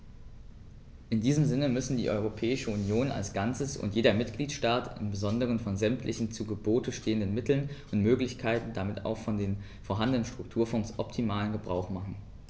In diesem Sinne müssen die Europäische Union als Ganzes und jeder Mitgliedstaat im Besonderen von sämtlichen zu Gebote stehenden Mitteln und Möglichkeiten und damit auch von den vorhandenen Strukturfonds optimalen Gebrauch machen.